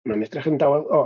ma'n edrych yn dawel... o!